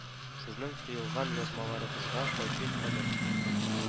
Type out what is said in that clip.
Сезнең тыелган язмаларыгызга кайтыйк әле